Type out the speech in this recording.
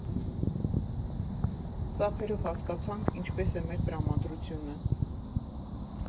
Ծափերով հասկանանք՝ ինչպես է մեր տրամադրությունը։